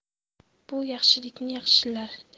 bu yaxshilikmi yaxshilik